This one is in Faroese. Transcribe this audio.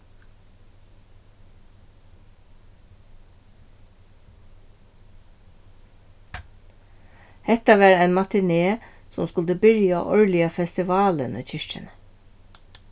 hetta var ein matiné sum skuldi byrja árliga festivalin í kirkjuni